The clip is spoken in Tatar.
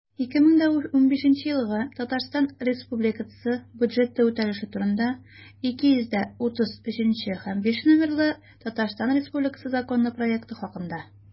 «2015 елгы татарстан республикасы бюджеты үтәлеше турында» 233-5 номерлы татарстан республикасы законы проекты хакында